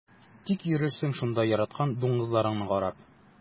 Тик йөрерсең шунда яраткан дуңгызларыңны карап.